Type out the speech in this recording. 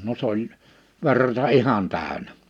no se oli verta ihan täynnä